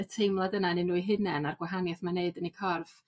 y teimlad yna ynnyn nw 'u hunen a'r gwahaniath ma'n neud yn 'u corff